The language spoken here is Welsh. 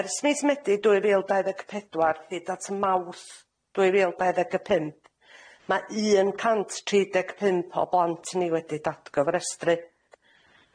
ers mis Medi dwy fil dau ddeg pedwar hyd at Mawrth dwy fil dau ddeg a pump ma' un cant tri deg pump o blant ni wedi datgofrestru,